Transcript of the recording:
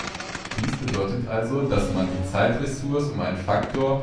Dies bedeutet also, dass man die Zeitressource um einen Faktor